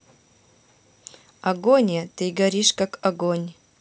агония ты горишь как огонь